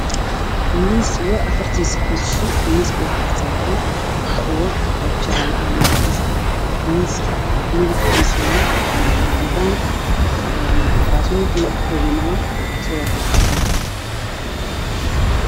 Waa miis waxaa saaran wax jaale ah